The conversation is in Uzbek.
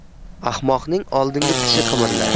ahmoqning oldingi tishi qimirlar